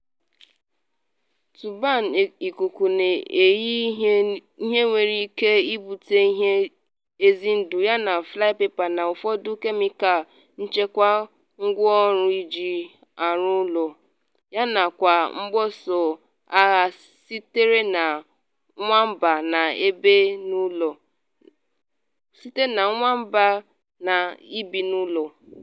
Turbine Ikuku na inye ihie nwere ike ibute ihe ize ndụ, yana flypaper na ụfọdụ kemikal nchekwa ngwaọrụ eji arụ ụlọ, yana kwa mbuso agha sitere na nwamba na-ebi n’ụlọ.